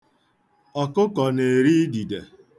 Ọkụkọ na-eri idide.